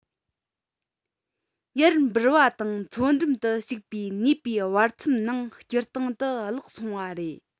ཡར འབུར བ དང མཚོ འགྲམ དུ ཞུགས པའི ནུས པའི བར མཚམས ནང སྤྱིར བཏང དུ བརླག སོང བ རེད